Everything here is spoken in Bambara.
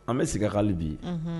An bɛ ska bi